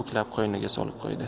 ikki buklab qo'yniga solib qo'ydi